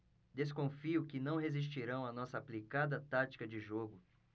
desconfio que não resistirão à nossa aplicada tática de jogo